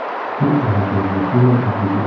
bu orada mashina eshigi